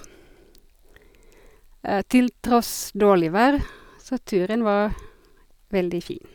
Til tross dårlig vær, så turen var veldig fin.